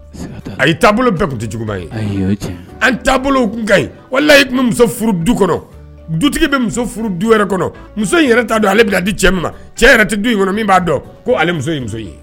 Sika t'a la, ayi, an taabolo bɛ tun tɛ juguman ye, ayi, o ye tiɲɛn ye. an taabolow tun ka ɲi. wallahi i tun bɛ muso furu du kɔnɔ, dutigi bɛ muso furu du wɛrɛ kɔnɔ,, muxo in yɛrɛ t'ɛ a don a bɛna di cɛ min, cɛ yɛrɛ tɛ du kɔnɔ min b'a don ko ale muso ye muso in ye.